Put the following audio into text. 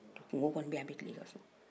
ne yɛrɛ bulu o y'a kɛ cogo yɛrɛ ye